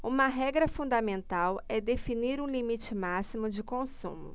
uma regra fundamental é definir um limite máximo de consumo